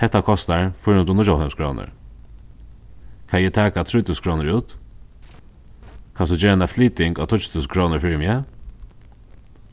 hetta kostar fýra hundrað og níggjuoghálvfems krónur kann eg taka trý túsund krónur út kanst tú gera eina flyting á tíggju túsund krónur fyri meg